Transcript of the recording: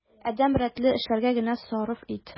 Адәм рәтле эшләргә генә сарыф ит.